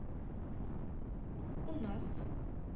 у нас